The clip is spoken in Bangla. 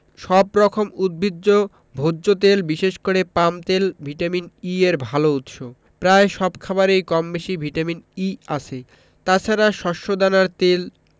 সব রকম উদ্ভিজ্জ ভোজ্য তেল বিশেষ করে পাম তেল ভিটামিন ই এর ভালো উৎস প্রায় সব খাবারেই কমবেশি ভিটামিন ই আছে তাছাড়া শস্যদানার তেল